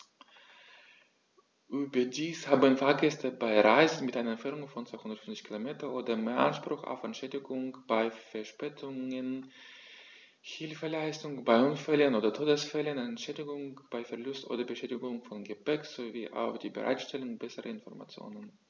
Überdies haben Fahrgäste bei Reisen mit einer Entfernung von 250 km oder mehr Anspruch auf Entschädigung bei Verspätungen, Hilfeleistung bei Unfällen oder Todesfällen, Entschädigung bei Verlust oder Beschädigung von Gepäck, sowie auf die Bereitstellung besserer Informationen.